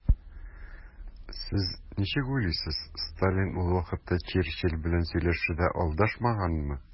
Сез ничек уйлыйсыз, Сталин ул вакытта Черчилль белән сөйләшүдә алдашмаганмы?